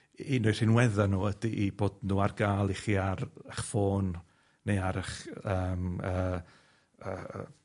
un o'u rhinwedda nw ydy 'i bod nw ar ga'l i chi ar 'ych ffôn neu ar 'ych yym yy yy yy